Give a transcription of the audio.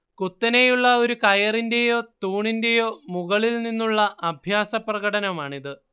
കുത്തനെയുള്ള ഒരു കയറിന്‍റെയോ തൂണിന്‍റെയോ മുകളിൽ നിന്നുള്ള അഭ്യാസപ്രകടനമാണിത്